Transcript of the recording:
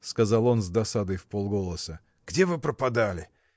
— сказал он с досадой, вполголоса, — где вы пропадали?